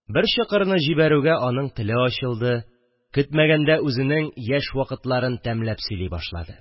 Бер чокырны җибәрүгә, аның теле ачылды, көтмәгәндә үзенең яшь вакытларын тәмләп сөйли башлады